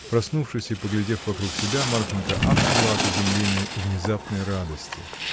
Проснувшись и поглядев вокруг себя, Марфинька ахнула от изумления и внезапной радости.